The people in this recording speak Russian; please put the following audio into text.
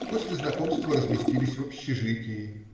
После знакомства разместились в общежитии.